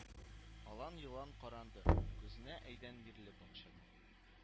Алан йолан каранды, күзенә әйдән бирле бакчада